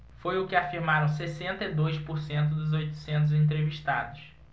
foi o que afirmaram sessenta e dois por cento dos oitocentos entrevistados